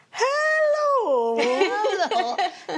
Helo!